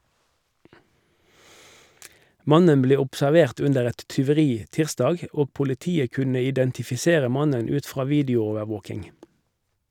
Mannen ble observert under et tyveri tirsdag og politiet kunne identifisere mannen ut fra videoovervåking.